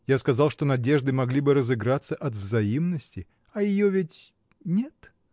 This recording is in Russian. Я сказал, что надежды могли бы разыграться от взаимности, а ее ведь. нет?